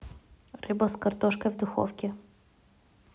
рыба с картошкой в духовке